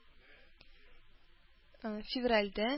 Февральдә